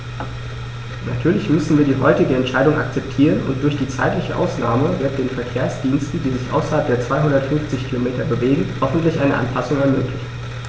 Natürlich müssen wir die heutige Entscheidung akzeptieren, und durch die zeitliche Ausnahme wird den Verkehrsdiensten, die sich außerhalb der 250 Kilometer bewegen, hoffentlich eine Anpassung ermöglicht.